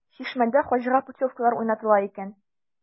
“чишмә”дә хаҗга путевкалар уйнатыла икән.